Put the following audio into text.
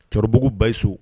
Cɔrɔbugu bayisu